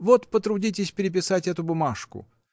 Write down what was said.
Вот потрудитесь переписать эту бумажку.